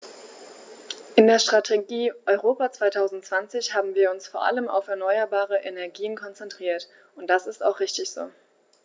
In der Strategie Europa 2020 haben wir uns vor allem auf erneuerbare Energien konzentriert, und das ist auch richtig so.